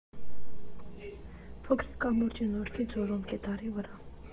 Փոքրիկ կամուրջ է Նորքի ձորում, Գետառի վրա։